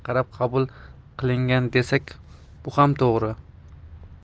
qarab qabul qilingan desak bu ham to'g'ri